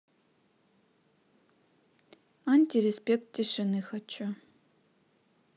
антиреспект тишины хочу